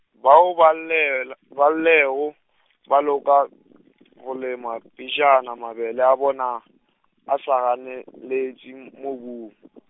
bao ba llela, ba ilego ba leka, go lema pejana, mabele a bona, a sa ganeletše mobung.